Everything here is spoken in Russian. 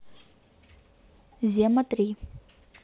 зема три